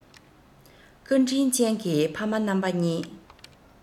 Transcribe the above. བཀའ དྲིན ཅན གྱི ཕ མ རྣམ པ གཉིས